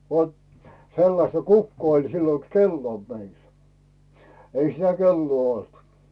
vot, 'sellasta "kukko oĺ sillo "kellom meil, 'ei sⁱtä "kellᵘò 'olt.